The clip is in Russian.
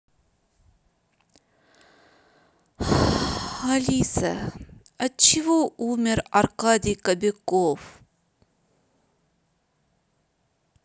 алиса от чего умер аркадий кобяков